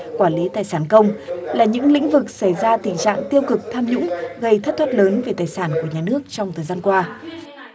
quản lý tài sản công là những lĩnh vực xảy ra tình trạng tiêu cực tham nhũng gây thất thoát lớn về tài sản của nhà nước trong thời gian qua